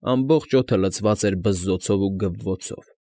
Ամբողջ օդը լցված էր բզզոցով ու գվվոցով։